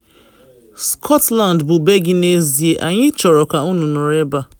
Scotland bụ be gị n’ezie, anyị chọrọ ka unu nọrọ ebe a.”